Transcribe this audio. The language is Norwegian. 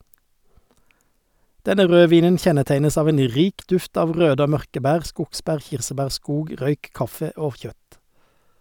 Denne rødvinen kjennetegnes av en rik duft av røde og mørke bær, skogsbær, kirsebær, skog, røyk, kaffe og kjøtt.